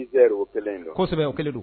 Sɛbɛ o kelen don